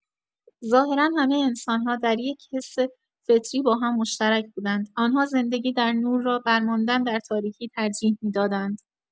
ظاهرا همه انسان‌ها در یک حس فطری باهم مشترک بودند؛ آن‌ها زندگی در نور را بر ماندن در تاریکی ترجیح می‌دادند.